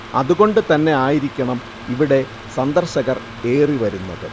അത് കൊണ്ട് തന്നെ ആയിരിക്കണം ഇവിടെ സന്ദർശകർ ഏറിവരുന്നത്